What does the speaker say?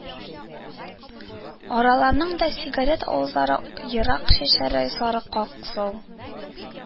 Араларында сигарет, авызлары ерык, чәчләре сары-аксыл,